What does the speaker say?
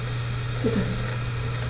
Bitte.